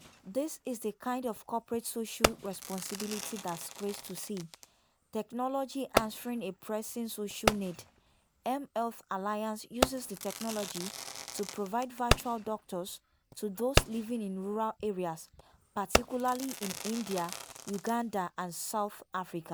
“This is the kind of corporate social responsibility that's great to see — technology answering a pressing social need…mHealth Alliance uses the technology to provide virtual doctors to those living in rural areas, particularly in India, Uganda and South Africa.”